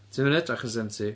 Ti ddim yn edrych yn seventy.